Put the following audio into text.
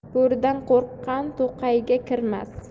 bo'ridan qo'rqqan to'qayga kirmas